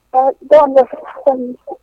Nse siran